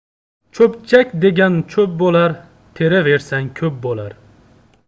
cho'pchak degan cho'p bo'lar teraversang ko'p bo'lar